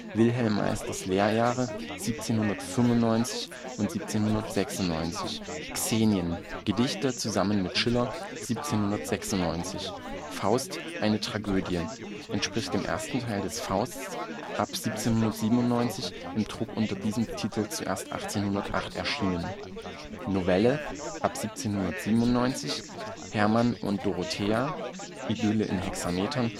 Wilhelm Meisters Lehrjahre (1795 / 96) (Text) Xenien (Gedichte, zusammen mit Schiller, 1796) Faust. Eine Tragödie (entspricht dem ersten Teil des Faust, ab 1797, im Druck unter diesem Titel zuerst 1808 erschienen) Novelle, (ab 1797) Hermann und Dorothea (Idylle in Hexametern